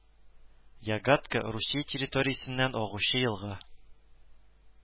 Ягатка Русия территориясеннән агучы елга